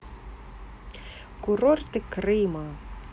курорты крыма